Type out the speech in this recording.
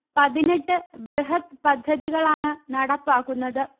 പതിനെട്ട് ബൃഹദ് പദ്ധതികളാണ് നടപ്പാക്കുന്നത്